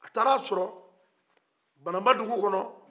a taara sɔrɔ banamba dugu kɔnɔ